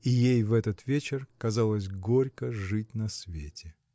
И ей в этот вечер казалось горько жить на свете.